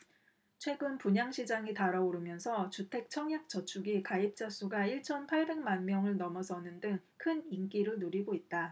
최근 분양시장이 달아오르면서 주택청약저축이 가입자수가 일 천 팔백 만명을 넘어서는 등 큰 인기를 누리고 있다